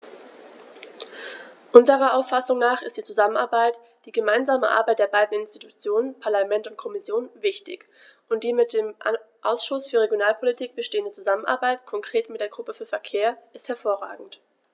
Unserer Auffassung nach ist die Zusammenarbeit, die gemeinsame Arbeit der beiden Institutionen - Parlament und Kommission - wichtig, und die mit dem Ausschuss für Regionalpolitik bestehende Zusammenarbeit, konkret mit der Gruppe für Verkehr, ist hervorragend.